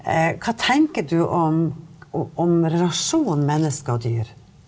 hva tenker du om om relasjonen mennesker og dyr?